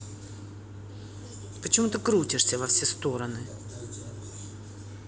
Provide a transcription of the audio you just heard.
почему ты крутишься во все стороны